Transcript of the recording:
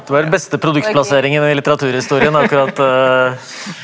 det var den beste produktplasseringen i litteraturhistorien akkurat .